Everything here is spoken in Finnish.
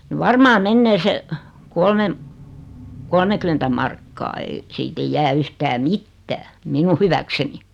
niin varmaan menee se - kolmekymmentä markkaa ei siitä ei jää yhtään mitään minun hyväkseni